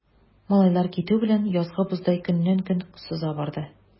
Малайлар китү белән, язгы боздай көннән-көн сыза барды.